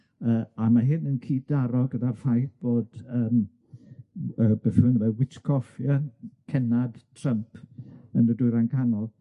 yy a ma' hyn yn cyd-daro gyda'r ffaith bod yym yy beth yw enw fe, Witkoff, ie, cenad Trump yn y Dwyrain Canol.